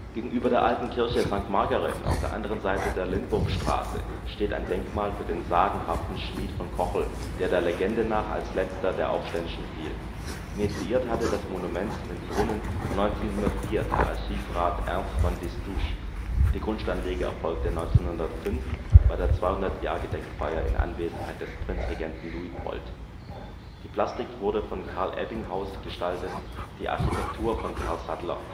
Gegenüber der alten Kirche St. Margaret auf der anderen Seite der Lindwurmstraße steht ein Denkmal für den sagenhaften Schmied von Kochel, der der Legende nach als letzter der Aufständischen fiel. Initiiert hatte das Monument mit Brunnen 1904 der Archivrat Ernst von Destouches, die Grundsteinlegung erfolgte 1905 bei der 200-Jahr-Gedenkfeier in Anwesenheit des Prinzregenten Luitpold. Die Plastik wurde von Carl Ebbinghaus gestaltet, die Architektur von Carl Sattler